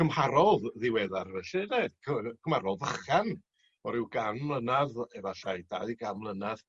cymharol ddy- ddiweddar felly 'de cymarol fychan o ryw gan mlynadd fo- efallai dau gan mlynadd.